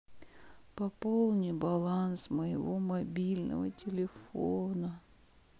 пополни баланс моего мобильного телефона